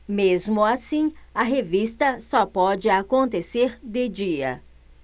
mesmo assim a revista só pode acontecer de dia